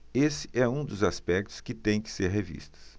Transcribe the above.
esse é um dos aspectos que têm que ser revistos